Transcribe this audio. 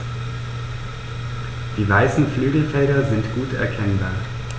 Die weißen Flügelfelder sind gut erkennbar.